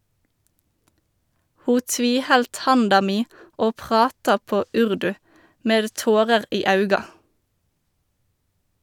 Ho tviheldt handa mi og prata på urdu, med tårer i auga.